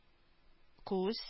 Күз